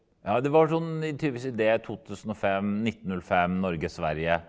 ja det var sånn i tydeligvis idé 2005 1905 Norge Sverige.